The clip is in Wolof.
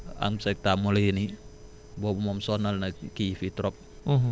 amsecta moorei boobu moom sonal na kii yi fii trop